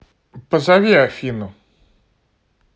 позови афину